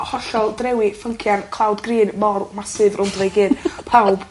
...hollol drewi ffyncian ca'l green mawr massive rownd o fo i gyd. Pawb